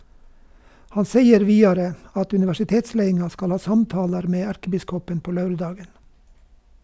Han seier vidare at universitetsleiinga skal ha samtalar med erkebiskopen på laurdagen.